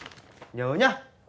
nhớ nhá